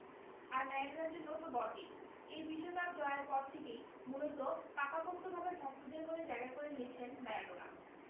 আর ম্যারাডোনার জন্য তো বটেই এই বিশ্বকাপ জয়ের পর থেকেই মূলত পাকাপোক্তভাবে ভক্তদের মনে জায়গা করে নিয়েছেন ম্যারাডোনা